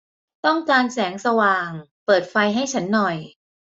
ต้องการแสงสว่างเปิดไฟให้ฉันหน่อย